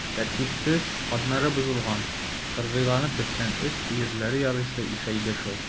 Тәртипсез, каннары бозылган, кыргыйланып беткән эт өерләре ярыйсы ишәйде шул.